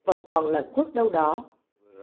lũvẫn còn lẩn khuất đâu đó